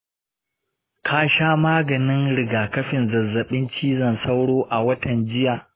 ka sha maganin rigakafin zazzabin cizon sauro a watan jiya?